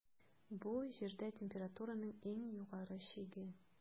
Бу - Җирдә температураның иң югары чиге.